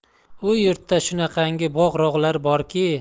u yurtda shunaqangi bog' rog'lar borki